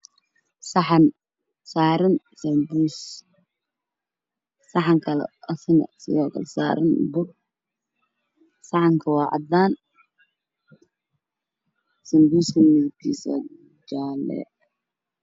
War saxan waxaa ku dhex jiro mofo saxan kalarkiisa waa caddaan sahanka wuxuu dulsaaran yahay miis madow